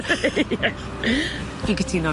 Ie. Dwi'n cytuno...